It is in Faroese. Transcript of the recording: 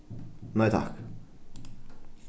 nei takk